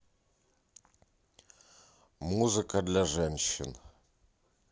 музыка для женщин